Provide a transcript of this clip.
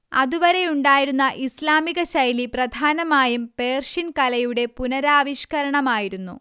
അതുവരെയുണ്ടായിരുന്ന ഇസ്ലാമികശൈലി പ്രധാനമായും പേർഷ്യൻ കലയുടെ പുനരാവിഷ്കരണമായിരുന്നു